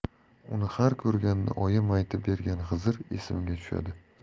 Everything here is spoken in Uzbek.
uni har ko'rganda oyim aytib bergan xizr esimga tushadi